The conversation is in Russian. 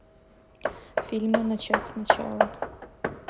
фильмы начать сначала